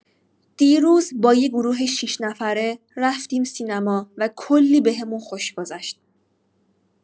دیروز با یه گروه شش‌نفره رفتیم سینما و کلی بهمون خوش گذشت.